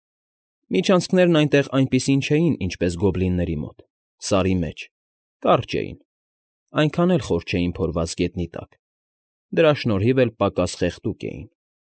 Միջանցքներն այնտեղ այնպիսին չէին, ինչպես գոբլինների մոտ, սարի մեջ. կարճ էին, այնքան էլ խոր չէին փորված գետնի տակ, դրա շնորհիվ էլ պակաս խեղդուկ էին։